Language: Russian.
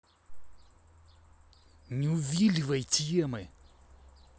не увиливай темы